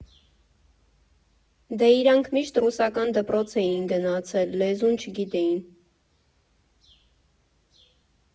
Դե իրանք միշտ ռուսական դպրոց էն գնացել, լեզուն չգիտեին։